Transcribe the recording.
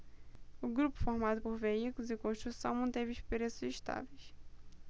o grupo formado por veículos e construção manteve os preços estáveis